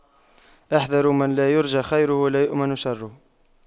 احذروا من لا يرجى خيره ولا يؤمن شره